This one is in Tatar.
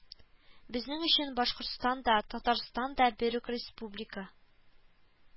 Безнең өчен Башкортстан да, Татарстан да бер үк республика